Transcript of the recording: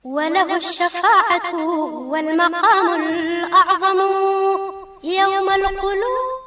Walimadugu walima yama